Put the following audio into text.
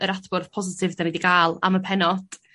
yr adborth positif 'dan ni 'di ga'l am y pennod.